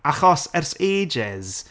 Achos, ers ages,